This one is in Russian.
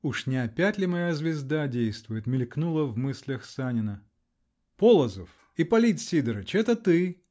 "Уж не опять ли моя звезда действует?" -- мелькнуло в мыслях Санина. -- Полозов! Ипполит Сидорыч! Это ты?